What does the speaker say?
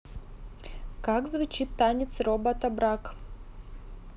как звучит танец робота брак